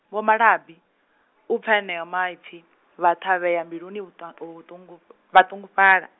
Vho Malabi, u pfa aneyo maipfi, vha thavhea mbiluni vhu ta, o vhutungu-, vhatungufhala.